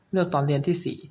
เลือกตอนเรียนที่สี่